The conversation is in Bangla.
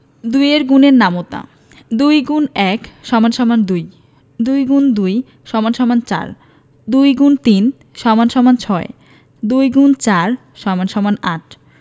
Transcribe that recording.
২ এর গুণের নামতা ২ X ১ = ২ ২ X ২ = ৪ ২ X ৩ = ৬ ২ X ৪ = ৮